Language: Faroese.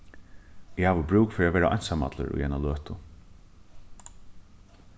eg havi brúk fyri at vera einsamallur í eina løtu